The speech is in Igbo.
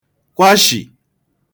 kwashì